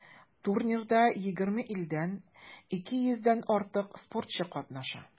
Турнирда 20 илдән 200 дән артык спортчы катнаша.